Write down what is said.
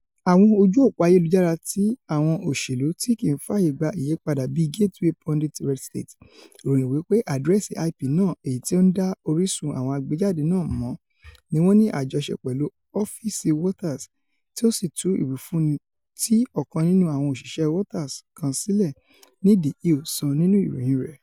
Àwọn ojú-òpò ayelujara ti àwọn òṣèlu tí kìí fààyègba-ìyípadà bíi Gateway Pundit RedState ròyìn wí pé àdírẹ́sì IP náà èyití ó ńdá orísun àwọn àgbéjáde náà mọ̀ ní wọ́n ní àjọṣe pẹ̀lú ọ́fíìsì Waters tí o sì tú ìwífúnni ti ọ̀kan nínú àwọn òsìṣẹ́ Waters kan sílẹ̀, ni The Hill sọ níhú l̀ròyìn rẹ̀.